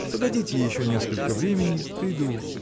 Погодите еще несколько времени, приду.